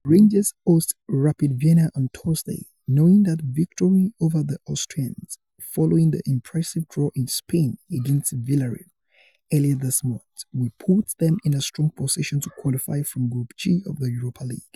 Rangers host Rapid Vienna on Thursday, knowing that victory over the Austrians, following the impressive draw in Spain against Villarreal earlier this month, will put them in a strong position to qualify from Group G of the Europa League.